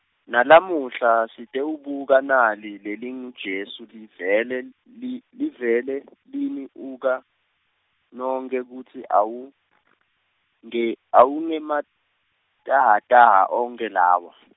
Nalamuhla sitewubuka nali lelinguJesu livele l- li, livele lini uka nonkhe kutsi awu , nge- awu ngematahhatahha onke lawa .